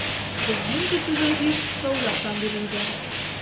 Безнең көтүгә җир тау яктан бирелгән.